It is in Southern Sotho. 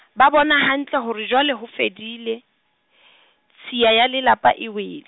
ba bona hantle hore jwale ho fedile , tshiya ya le lapa e wel-.